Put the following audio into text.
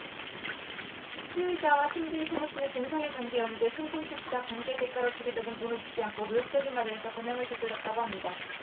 피의자와 숨진 최 모씨는 동성애 관계였는데 숨진 최씨가 관계 대가로 주겠다던 돈을 주지 않고 모욕적인 말을 해서 범행을 저질렀다고 합니다